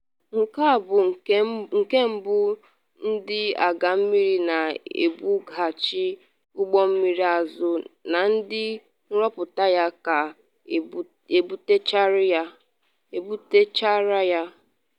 Nke a bụ nke mbụ Ndị Agha Mmiri na-ebughachi ụgbọ mmiri azụ na ndị rụpụtara ya ka ebutechara ya.